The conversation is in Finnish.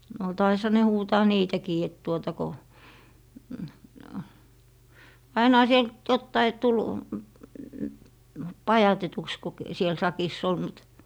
no taisihan ne huutaa niitäkin että tuota kun ainahan siellä nyt jotakin tuli pajatetuksi kun - siellä sakissa oli mutta